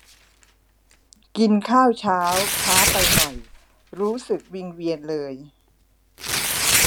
กินข้าวเช้าช้าไปหน่อยรู้สึกวิงเวียนเลย